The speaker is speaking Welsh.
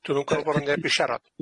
Dwi'm yn gweld bo 'na neb i sharad.